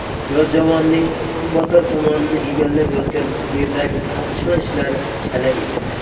yozyovonning kunbotar tomonini egallab yotgan yerdagi qazishma ishlari chala edi